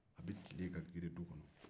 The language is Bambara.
a bɛ tilen ka girin du kɔnɔ